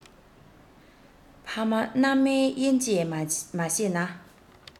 ཕ མ མནའ མའི དབྱེ འབྱེད མ ཤེས ན